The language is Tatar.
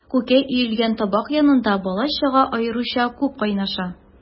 Күкәй өелгән табак янында бала-чага аеруча күп кайнаша.